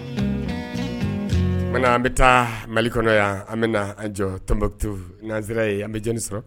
Bamanan an bɛ taa mali kɔnɔ yan an bɛ na an jɔ tonptu nanz ye an bɛ jni sɔrɔ